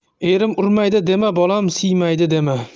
erim urmaydi dema bolam siymaydi dema